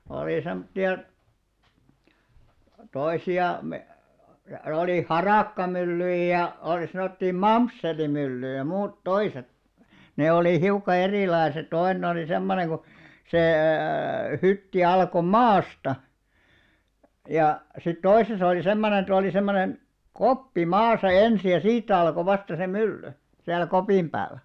oli semmoisia toisia - oli harakkamyllyjä ja oli sanottiin mamsselimyllyjä muuta toiset ne oli hiukka erilaiset toinen oli semmoinen kun se hytti alkoi maasta ja sitten toisessa oli semmoinen että oli semmoinen koppi maassa ensin ja siitä alkoi vasta se mylly siellä kopin päällä